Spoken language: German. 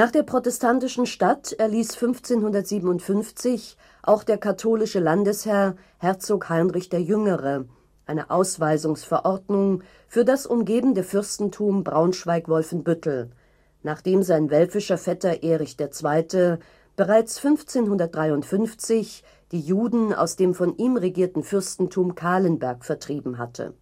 der protestantischen Stadt erließ 1557 auch der katholische Landesherr Herzog Heinrich der Jüngere eine Ausweisungsverordnung für das umgebende Fürstentum Braunschweig-Wolfenbüttel, nachdem sein welfischer Vetter Erich II. bereits 1553 die Juden aus dem von ihm regierten Fürstentum Calenberg vertrieben hatte